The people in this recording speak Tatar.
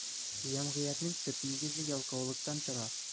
Җәмгыятьнең төп нигезе ялкаулыктан тора.